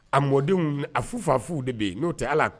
A mɔdenw, a fu fa fuw de bɛ yen n'o tɛ ala